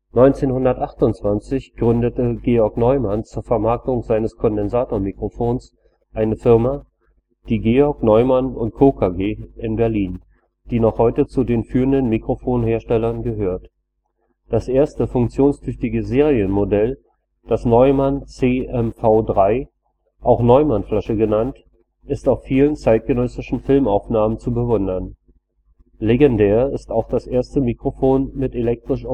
1928 gründete Georg Neumann zur Vermarktung seines Kondensatormikrofons eine Firma, die Georg Neumann & Co KG in Berlin, die noch heute zu den führenden Mikrofonherstellern gehört. Das erste funktionstüchtige Serienmodell, das Neumann CMV3, auch „ Neumann-Flasche “genannt, ist auf vielen zeitgenössischen Filmaufnahmen zu bewundern. Legendär ist auch das erste Mikrofon mit elektrisch